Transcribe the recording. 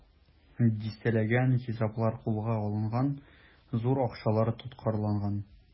Дистәләгән хисаплар кулга алынган, зур акчалар тоткарланган.